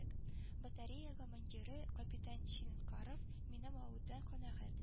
Батарея командиры капитан чилинкаров минем атудан канәгать